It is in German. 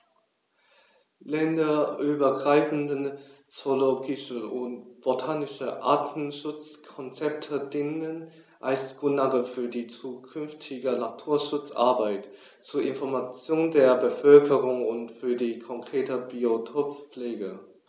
Länderübergreifende zoologische und botanische Artenschutzkonzepte dienen als Grundlage für die zukünftige Naturschutzarbeit, zur Information der Bevölkerung und für die konkrete Biotoppflege.